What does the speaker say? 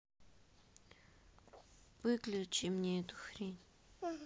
выключи мне эту хрень